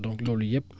donc loolu yépp